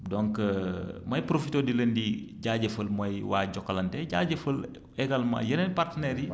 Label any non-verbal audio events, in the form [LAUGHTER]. donc [HESITATION] may profité di leen di jaajëfal mooy waa Jokalante jaajëfal également yeneen partenaires yi